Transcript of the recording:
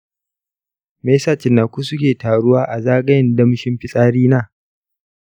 me yasa cinnaku suke taruwa a zagayen danshin fitsari na?